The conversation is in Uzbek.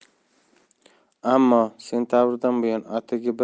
ammo sentabrdan buyon atigi bir